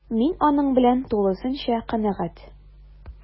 Мин аның белән тулысынча канәгать: